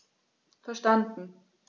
Verstanden.